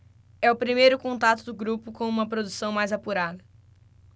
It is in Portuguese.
é o primeiro contato do grupo com uma produção mais apurada